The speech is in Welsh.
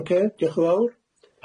Ocê dioch yn fawr.